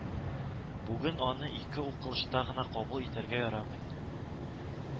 Бүген аны ике укылышта гына кабул итәргә ярамый